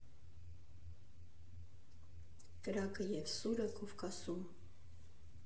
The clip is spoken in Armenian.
Կրակը և սուրը Կովկասում։